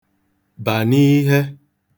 bà n'ihe